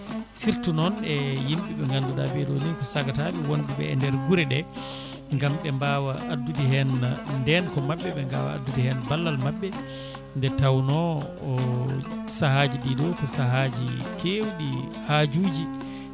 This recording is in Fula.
surtout noon e yimɓe ɓe ganduɗa ɓeeɗo ni ko sagataɓe wonɓe e nder guure ɗe gaam ɓe mbawa addude hen ndenka mabɓe gaam addude hen ballal mabɓe nde tawno saahaji ɗiɗo ko saahaji kewɗi haajuji